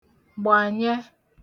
gbànyẹ